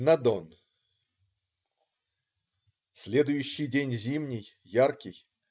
На Дон Следующий день зимний, яркий.